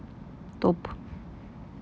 топ